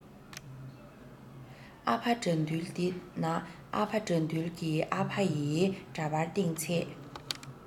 ཨ ཕ དགྲ འདུལ དེ ན ཨ ཕ དགྲ འདུལ གྱི ཨ ཕ ཡི འདྲ པར སྟེང ཚེ